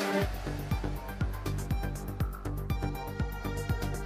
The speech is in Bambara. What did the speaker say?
San